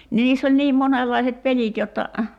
niin niissä oli niin monenlaiset pelit jotta